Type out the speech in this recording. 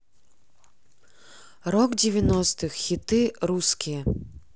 рок девяностых хиты русские